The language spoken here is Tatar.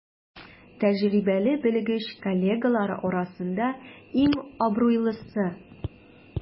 Тәҗрибәле белгеч коллегалары арасында иң абруйлысы.